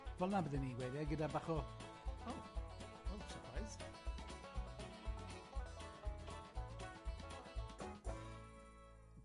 Fel 'na bydden i'n gweud e gyda bach o, oh, oh, sypreis.